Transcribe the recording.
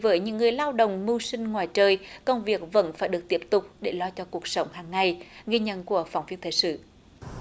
với những người lao động mưu sinh ngoài trời công việc vẫn phải được tiếp tục để lo cho cuộc sống hằng ngày ghi nhận của phóng viên thời sự